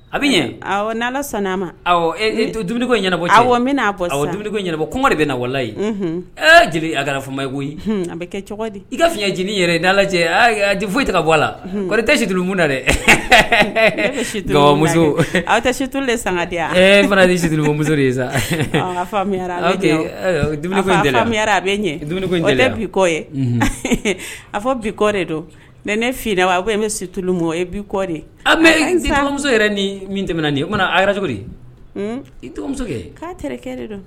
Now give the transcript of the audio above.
A bɛ ɲɛ n' san'a ma dumuniko ɲɛnabɔ n dumuniko ɲɛnabɔ kɔn de bɛ na walalayi jeli a koyi an bɛ kɛ cogo di i ka fiɲɛ j yɛrɛ i dala lajɛ ji foyi ka bɔ a la ko tɛ situduluun na dɛ aw tɛ setu de sanga di mana di simuso de ye a bɛ bi kɔ ye a fɔ bi kɔ de don ne ne f wa bɛ situlu ma bi kɔɔrimuso yɛrɛ ni min tɛmɛna nin o a cogo imuso'a don